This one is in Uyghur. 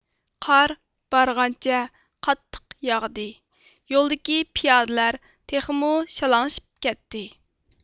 قار بارغانچە قاتتىق ياغدى يولدىكى پىيادىلەر تېخىمۇ شالاڭلاپ كەتتى